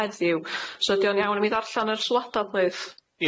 heddiw so ydi o'n iawn i mi ddarllan yr sylwada plith?